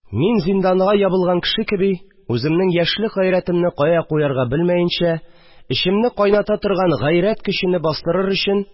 Мин, зинданга ябылган кеше кеби, үземнең яшьлек гайрәтемне кая куярга белмәенчә, эчемне кайната торган гайрәт көчене бастырыр өчен